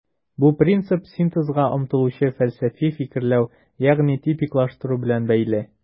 Бу принцип синтезга омтылучы фәлсәфи фикерләү, ягъни типиклаштыру белән бәйле.